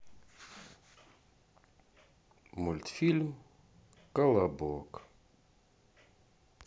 мультфильм колобок